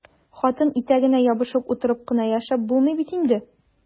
Хатын итәгенә ябышып утырып кына яшәп булмый бит инде!